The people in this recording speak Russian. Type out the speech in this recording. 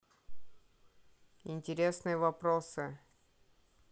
интересные вопросы